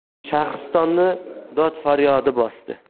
shahristonni dodfaryod bosdi